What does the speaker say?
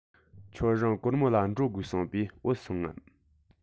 ཁྱོད རང གོར མོ ལ འགྲོ དགོས གསུངས པས བུད སོང ངམ